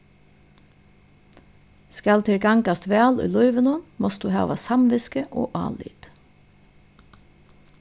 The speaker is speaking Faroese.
skal tær gangast væl í lívinum mást tú hava samvitsku og álit